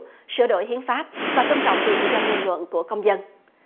sửa đổi hiến pháp và tôn trọng quyền tự do ngôn luận của công dân